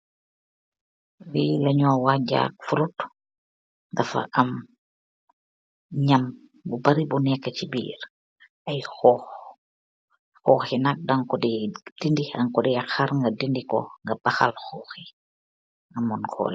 Li leh njur wakh jag fruit, dafa am njam bu bari bu neka chi birr, eyy hoohh, hoohh yi nak dangkoh dae dindi, dankoh dae haarr nga dindi kor, nga bakhal hoohh yii, amut horli.